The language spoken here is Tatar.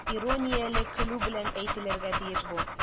Иронияле көлү белән әйтелергә тиеш бу.